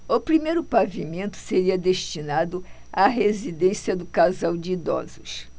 o primeiro pavimento seria destinado à residência do casal de idosos